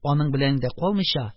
Аның белән дә калмыйча,